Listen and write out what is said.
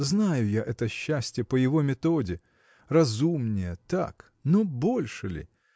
Знаю я это счастье по его методе: разумнее – так, но больше ли?